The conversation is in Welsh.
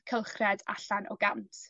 cylchred allan o gant.